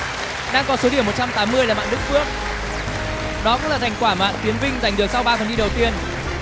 đang có số điểm một trăm tám mươi là bạn đức phước đó cũng là thành quả bạn tiến vinh giành được sau ba phần thi đầu tiên